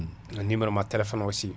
numéro ma téléphone, aussi